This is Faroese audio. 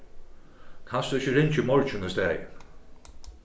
kanst tú ikki ringja í morgin í staðin